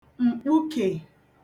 m̀kpukè